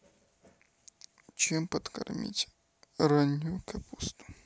чем подкормить раннюю капусту